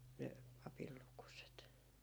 ne papin lukuset